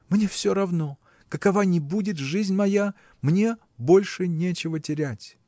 Мне все равно, какова ни будет жизнь моя. мне больше нечего терять